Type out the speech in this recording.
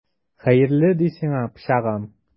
Хәерле ди сиңа, пычагым!